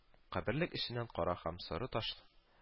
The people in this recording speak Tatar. Каберлек эченнән, кара һәм соры таш